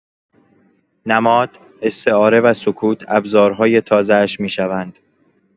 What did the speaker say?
نماد، استعاره و سکوت، ابزارهای تازه‌اش می‌شوند.